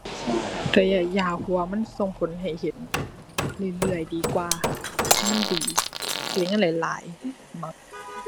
ระยะยาว เพราะว่ามันส่งผลให้เห็นเรื่อยเรื่อยดีกว่า มันดี สิได้เงินหลายหลาย มัก